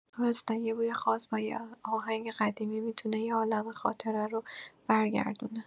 درسته، یه بوی خاص یا یه آهنگ قدیمی می‌تونه یه عالمه خاطره رو برگردونه.